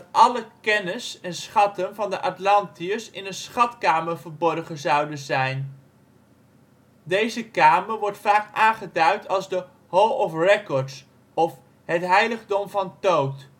alle kennis/schatten van de Atlantiërs in een ' schatkamer ' verborgen zouden zijn. Deze kamer wordt vaak aangeduid als de Hall of records of Het heiligdom van Thoth